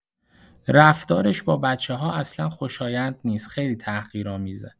رفتارش با بچه‌ها اصلا خوشایند نیست، خیلی تحقیرآمیزه.